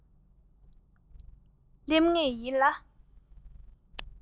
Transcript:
རྩོམ རིག གི ཞིང ཁམས ལ